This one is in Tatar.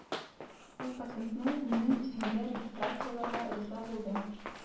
Ул патентны минем исемгә регистрацияләргә риза булды